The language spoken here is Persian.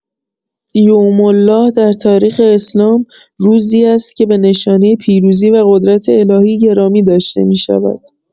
یوم‌الله در تاریخ اسلام، روزی است که به نشانۀ پیروزی و قدرت الهی گرامی داشته می‌شود.